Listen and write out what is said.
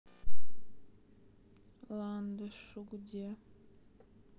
ландышу где